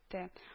Де